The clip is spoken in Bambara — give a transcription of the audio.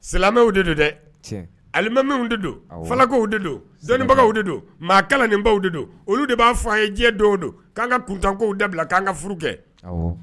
Silamɛw de don dɛ alimaw de do falakow de donbagaww de do maa nibaw de do olu de b'a fɔ an ye diɲɛ do don k' ka kuntankow da bila k' ka furu kɛ